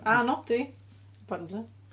A Nodi apparently.